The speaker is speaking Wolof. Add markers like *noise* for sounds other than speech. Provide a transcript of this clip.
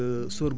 *hesitation* *hesitation*